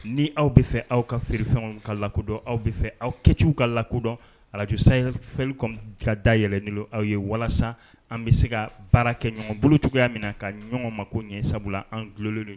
Ni aw bɛ fɛ aw ka feereere fɛnw ka ladɔn aw bɛ fɛ aw kɛciw ka lakudɔn alijsa fɛ kan ka day ni aw ye walasa an bɛ se ka baara kɛ ɲɔgɔn bolo cogoyaya min na ka ɲɔgɔn ma ko ɲɛ sabula an dulolen don ye